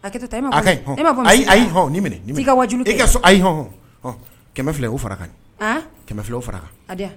hakɛto tan e ma fɔ ko, ayi, ayi, a ka ɲi, ayi, ayi, taa i ka wajulik kɛ 100 filɛ hɔn , han, o fara'a kan, a di yan.